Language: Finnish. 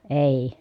ei